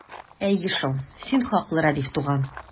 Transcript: Әйе шул, син хаклы, Рәдиф туган!